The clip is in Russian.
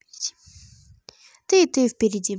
ты ты вперди